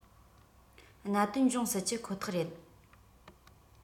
གནད དོན འབྱུང སྲིད ཀྱི ཁོ ཐག རེད